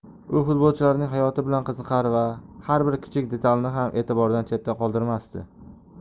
u futbolchilarning hayoti bilan qiziqar va har bir kichik detalni ham e'tibordan chetda qoldirmasdi